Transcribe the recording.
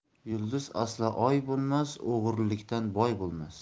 yulduz aslo oy bo'lmas o'g'rikdan boy bo'lmas